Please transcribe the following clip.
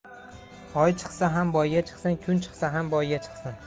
oy chiqsa ham boyga chiqsin kun chiqsa ham boyga chiqsin